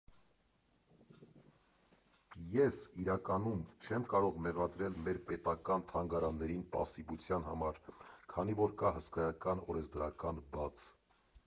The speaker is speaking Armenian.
Ես, իրականում, չեմ կարող մեղադրել մեր պետական թանգարաններին պասիվության համար, քանի որ կա հսկայական օրենսդրական բաց։